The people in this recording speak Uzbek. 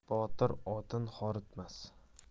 botir otin horitmas